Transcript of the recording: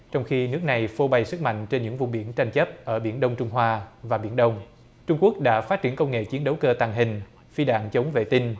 trong khi nước này phô bày sức mạnh trên những vùng biển tranh chấp ở biển đông trung hoa và biển đông trung quốc đã phát triển công nghệ chiến đấu cơ tàng hình phi đạn chống vệ tinh